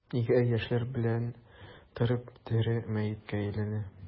Нигә яшьләр белә торып тере мәеткә әйләнә?